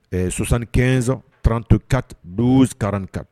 Ɛɛ sonsan kɛsan tranto ka dɔwkara kan